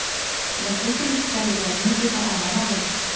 Гафу итегез, Фәридә, мин Сезне аңламадым.